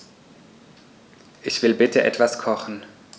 Ich will bitte etwas kochen.